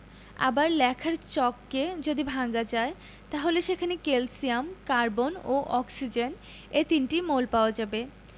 আবার লেখার চককে যদি ভাঙা যায় তাহলে সেখানে ক্যালসিয়াম কার্বন ও অক্সিজেন এ তিনটি মৌল পাওয়া যাবে